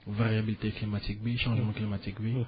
variabilité climatique bi changement climatique bi